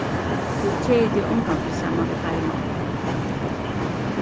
tú keðir teg ongantíð saman við teimum